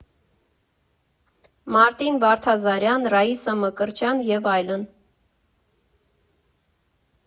Մարտին Վարդազարյան, Ռաիսա Մկրտչյան և այլն։